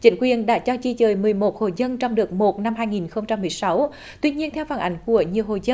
chính quyền đã cho di dời mười một hộ dân trong đợt một năm hai nghìn không trăm mười sáu tuy nhiên theo phản ánh của nhiều hộ dân